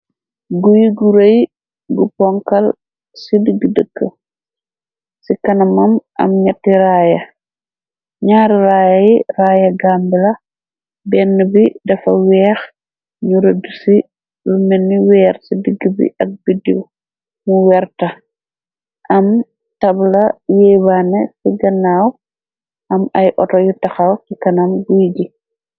Guy gu rëy bu ponkal ci digg dëkk ci kanamam am ñetti raaya ñaar raaya yi raaya gambila benn bi dafa weex ñu rëddu ci ru meni weer ci digg bi ak bidio mu werta am tabla yeebaane fi gannaaw am ay oto yu taxaw ci kanam guy gi.